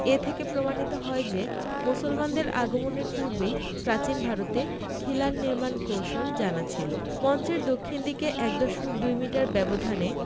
এ থেকে প্রমাণিত হয় যে মুসলমানদের আগমনের পূর্বেই প্রাচীন ভারতে খিলান নির্মাণ কৌশল জানা ছিল মঞ্চের দক্ষিণ দিকে ১ দশমিক ২ মিটার ব্যবধানে